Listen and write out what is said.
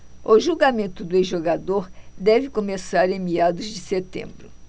o julgamento do ex-jogador deve começar em meados de setembro